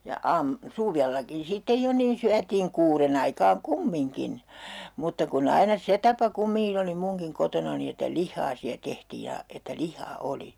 ja - suvellakin sitten jo niin syötiin kuuden aikaan kumminkin mutta kun aina se tapa kumminkin oli munkin kotonani että lihaa siellä tehtiin ja että lihaa oli